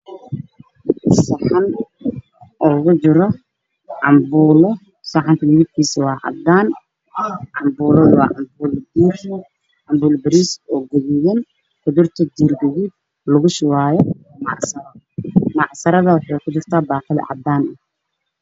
Saxan ku juro canbuulo saxan ka midab kiiso waa cadaan